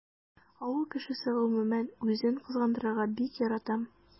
Авыл кешесе гомумән үзен кызгандырырга бик ярата.